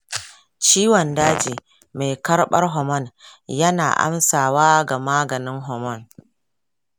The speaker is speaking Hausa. ciwon daji mai karbar hormone yana amsawa ga maganin hormone.